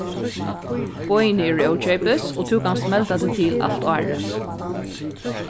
boðini eru ókeypis og tú kanst melda teg til alt árið